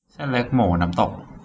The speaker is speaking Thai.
เส้นเล็กหมูน้ำตก